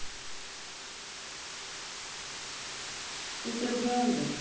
это правда